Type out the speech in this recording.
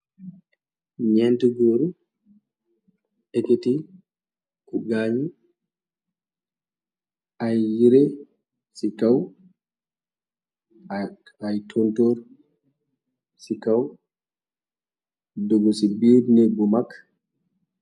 Nyénti goor ekiti ku gaañ ay yire i kaw ay tontoor ci kaw dugu ci biir nék bu mag.